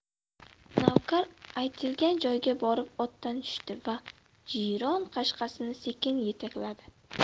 navkar aytilgan joyga borib otdan tushdi va jiyron qashqasini sekin yetakladi